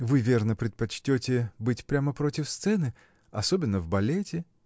Вы, верно, предпочтете быть прямо против сцены. особенно в балете.